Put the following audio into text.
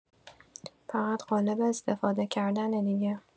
فقط قالب استفاده کردنه دیگه.